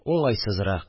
Уңайсызрак